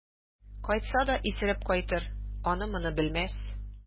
Кайтса да исереп кайтыр, аны-моны белмәс.